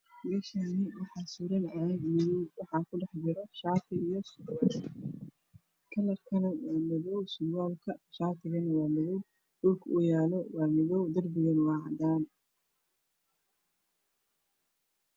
Meshani waxa suran cagag madow waxa kudhexjiro shati io sirwal kalarkan waa madow sirwalka shatigan waa madow dhulka oow yaalo waa madow darbigan waa cadan